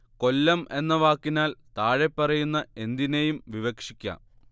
കൊല്ലം എന്ന വാക്കിനാൽ താഴെപ്പറയുന്ന എന്തിനേയും വിവക്ഷിക്കാം